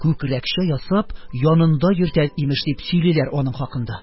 Күкрәкчә ясап, янында йөртә, имеш, дип сөйлиләр аның хакында.